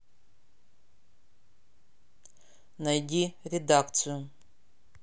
найди редакцию